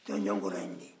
tɔnjɔn kɔrɔ ye nin de ye